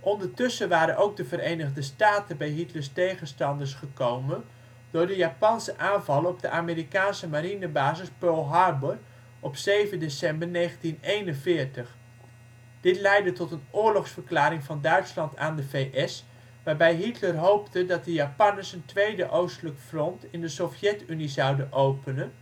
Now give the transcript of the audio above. Ondertussen waren ook de Verenigde Staten bij Hitlers tegenstanders gekomen door de Japanse aanval op de Amerikaanse marinebasis Pearl Harbor, op 7 december 1941. Dit leidde tot de oorlogsverklaring van Duitsland aan de VS waarbij Hitler hoopte dat de Japanners een tweede oostelijk front in de Sovjet-Unie zouden openen